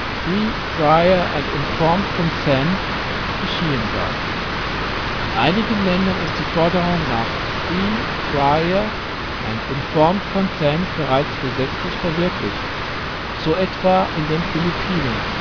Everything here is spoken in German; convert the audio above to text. Free, Prior and Informed Consent) geschehen darf. In einigen Ländern ist die Forderung nach Free, Prior and Informed Consent bereits gesetzlich verwirklicht, so etwa in den Philippinen